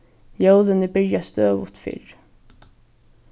jólini byrja støðugt fyrr